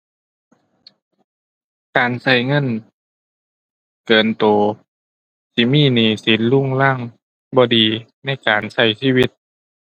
การใช้เงินเกินใช้สิมีหนี้สินรุงรัง บ่ดีในการใช้ชีวิต